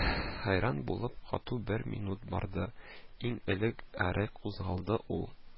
Хәйран булып кату бер минут барды, иң элек Гәрәй кузгалды, ул: